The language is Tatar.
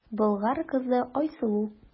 Болгар кызы Айсылу.